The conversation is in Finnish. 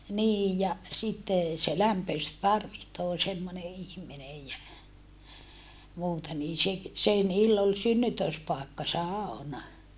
niin ja sitten se lämpöistä tarvitsee semmoinen ihminen ja muuta niin se se niillä oli synnytyspaikka sauna